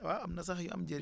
waaw am na sax yu am njëriñ